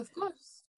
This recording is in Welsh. Wrth gwrs.